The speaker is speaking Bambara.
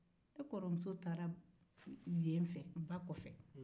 ne kɔrɔmuso taara yen fɛ ba kɔfɛ